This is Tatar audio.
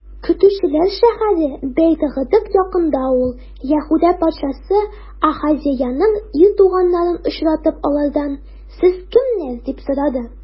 Көтүчеләр шәһәре Бәйт-Гыкыд янында ул, Яһүдә патшасы Ахазеянең ир туганнарын очратып, алардан: сез кемнәр? - дип сорады.